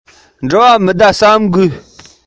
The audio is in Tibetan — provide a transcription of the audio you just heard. ཞིང ཐང དང མུ གང སར